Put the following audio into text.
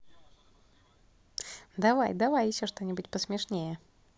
давай давай еще что нибудь посмешнее